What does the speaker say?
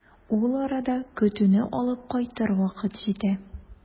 Ул арада көтүне алып кайтыр вакыт җитә.